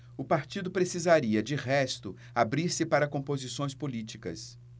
o partido precisaria de resto abrir-se para composições políticas